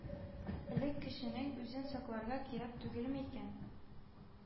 Элек кешенең үзен сакларга кирәк түгелме икән